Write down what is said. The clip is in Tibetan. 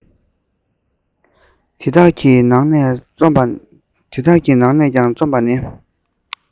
དེ དག གི ནང ནས ཀྱང རྩོམ པ ནི